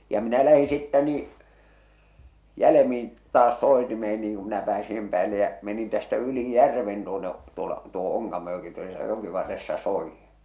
ja minä lähdin sitten niin jäljemmin taas soitimeen niin kun minä pääsin sen päälle ja menin tästä yli järven tuonne tuolla tuohon Onkamojoki tuossa jokivarressa soidin